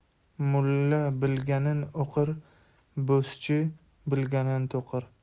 mulla bilganin o'qir bo'zchi bilganin to'qir